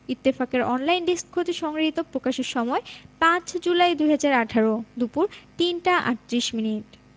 ইত্তফাকের online desk হতে সংগৃহীত প্রকাশের সময় ৫ জুলাই ২০১৮ দুপুর ৩টা ৩৮ মিনিট